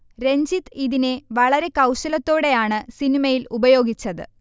രഞ്ജിത് ഇതിനെ വളരെ കൗശലത്തോടെയാണ് സിനിമയിൽ ഉപയോഗിച്ചത്